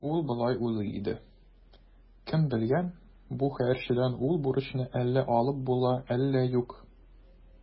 Ул болай уйлый иде: «Кем белгән, бу хәерчедән ул бурычны әллә алып була, әллә юк".